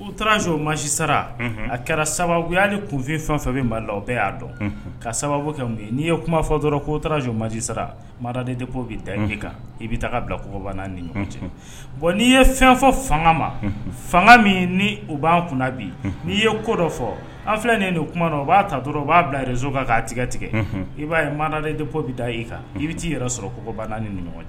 uo masa a kɛra sababuya kunfin fɛn fɛ bɛ' la o bɛɛ y'a dɔn ka sababu kɛ ye n'i ye kuma fɔ dɔrɔn'rao masi sara mada de bɛ da' kan i bɛ taa ka bila kɔban n ni ɲɔgɔn cɛ bɔn n'i ye fɛn fɔ fanga ma fanga min ni u b'an kunna bi n'i ye ko dɔ fɔ an filɛ nin nin kuma na o b'a ta dɔrɔn u b'a bilareso kan k'a tigɛ tigɛ i b'a ye ma de bɛ da i kan i bɛ taa i yɛrɛ sɔrɔ koko ban n'a ni ɲɔgɔn cɛ